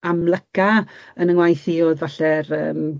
amlyca yn yng ngwaith i o'dd falle'r yym...